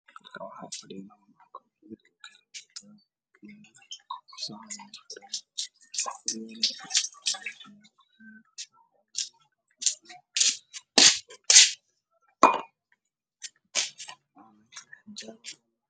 Labo gabdhood mid xijaab buluug iyo mid xijaab jaalo